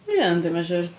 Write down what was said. Ia, yndi ma'n siŵr.